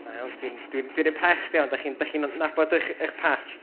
Da iawn. Dwi'n dwi'n dwi'n impressed iawn. Dach chi'n dach chi'n nabod eich patch.